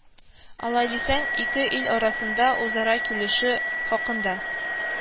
Алай дисәң, ике ил арасында үзара килешү хакында